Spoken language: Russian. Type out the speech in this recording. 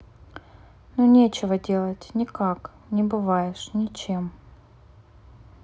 ну ничего не делать никак не бываешь ничем